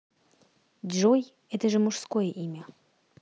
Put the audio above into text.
джой это же мужское имя